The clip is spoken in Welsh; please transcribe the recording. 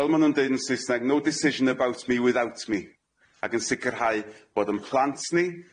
Fel ma' nw'n deud yn Saesneg no decision about me without me ag yn sicirhau bod yn plant ni